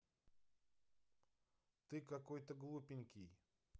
ты какой то глупенький